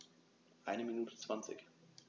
Eine Minute 20